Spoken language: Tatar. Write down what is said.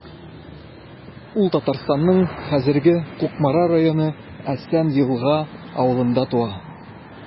Ул Татарстанның хәзерге Кукмара районы Әсән Елга авылында туа.